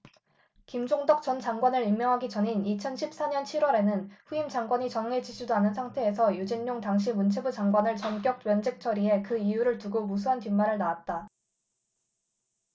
김종덕 전 장관을 임명하기 전인 이천 십 사 년 칠 월에는 후임 장관이 정해지지도 않은 상태에서 유진룡 당시 문체부 장관을 전격 면직 처리해 그 이유를 두고 무수한 뒷말을 낳았다